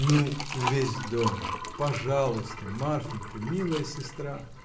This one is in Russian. — Ну весь дом, — пожалуйста, Марфинька, милая сестра.